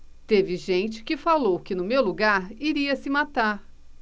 teve gente que falou que no meu lugar iria se matar